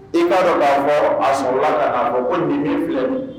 I'a dɔn k'a fɔ a sɔrɔla la ka'a fɔ ko nin filɛ